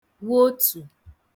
wotù